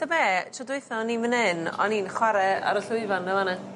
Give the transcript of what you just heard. T'be? Tro dwetha o'n i myn 'yn o'n i'n chware ar y llwyfan 'na fana.